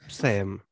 Same.